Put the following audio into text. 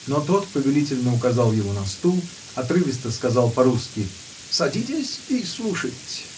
но тот повелительно указал ему на стул, отрывисто сказал по-русски: "Садитесь и слушить"